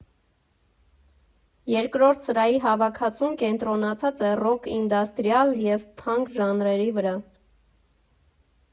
Երկրորդ սրահի հավաքածուն կենտրոնացած է ռոք, ինդասթրիալ և փանկ ժանրերի վրա։